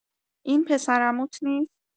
این پسر عموت نیست؟